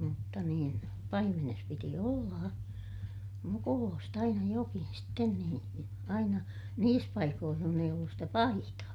mutta niin paimenessa piti olla mukuloista aina jokin sitten niin aina niissä paikoin jossa ei ollut sitä - aitaa